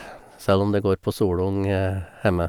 Selv om det går på solung hjemme.